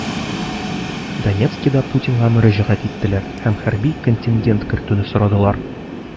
Донецкида Путинга мөрәҗәгать иттеләр һәм хәрби контингент кертүне сорадылар.